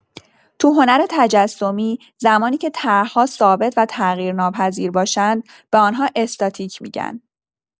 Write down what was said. تو هنر تجسمی، زمانی که طرح‌ها ثابت و تغییرناپذیر باشند، به آن‌ها استاتیک می‌گن.